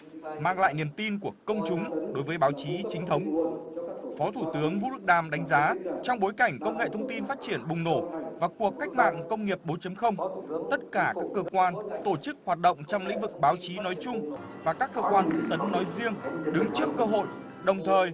mang lại niềm tin của công chúng đối với báo chí chính thống phó thủ tướng vũ đức đam đánh giá trong bối cảnh công nghệ thông tin phát triển bùng nổ và cuộc cách mạng công nghiệp bốn chấm không tất cả các cơ quan tổ chức hoạt động trong lĩnh vực báo chí nói chung và các cơ quan thông tấn nói riêng đứng trước cơ hội đồng thời